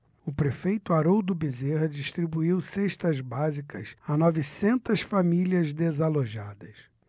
o prefeito haroldo bezerra distribuiu cestas básicas a novecentas famílias desalojadas